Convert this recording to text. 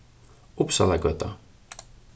uppsalagøta